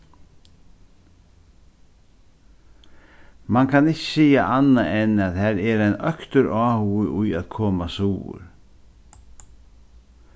mann kann ikki siga annað enn at har er ein øktur áhugi í at koma suður